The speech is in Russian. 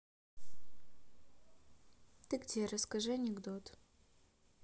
ты где расскажи анекдот